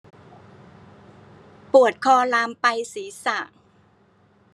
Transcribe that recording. ปวดคอลามไปศีรษะ